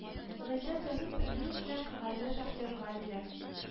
Гыйззәт язып бетерү белән кәгазьне шахтерга бирә